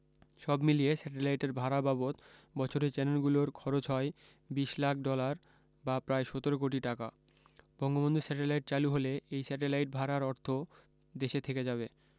সব মিলিয়ে স্যাটেলাইটের ভাড়া বাবদ বছরে চ্যানেলগুলোর খরচ হয় ২০ লাখ ডলার বা প্রায় ১৭ কোটি টাকা বঙ্গবন্ধু স্যাটেলাইট চালু হলে এই স্যাটেলাইট ভাড়ার অর্থ দেশে থেকে যাবে